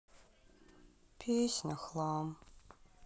песня хлам